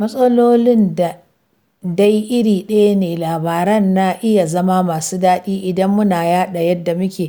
Matsalolin dai iri ɗaya ne; labaran na iya zama masu daɗi idan muna yaɗa yadda muke